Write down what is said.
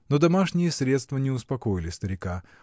Но домашние средства не успокоили старика.